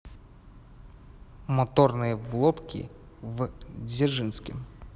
моторные лодки в дзержинске